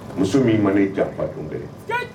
Muso min mana e ja tun tɛ ye